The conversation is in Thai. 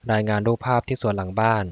รายงานรูปภาพที่สวนหลังบ้าน